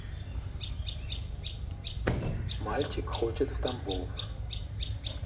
мальчик хочет в тамбов